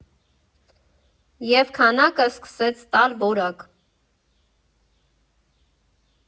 Եվ քանակը սկսեց տալ որակ։